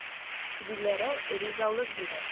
Диләрә ризалык бирә.